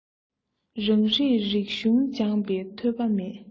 རང རིགས རིག གཞུང སྦྱངས པའི ཐོས པ མེད